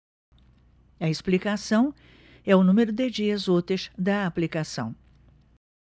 a explicação é o número de dias úteis da aplicação